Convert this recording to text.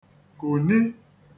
kùni